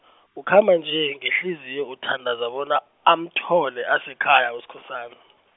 ukhamba nje, ngehliziyo uthandaza bona, amthole asekhaya Uskhosana.